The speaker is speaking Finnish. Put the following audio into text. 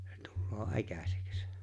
se tulee äkäiseksi